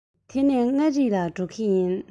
དེ ནས མངའ རིས ལ འགྲོ གི ཡིན